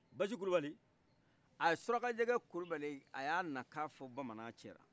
basi kulubali a ye surakajɛkɛ kulubali a y' a na kan fɔ bamanan cɛla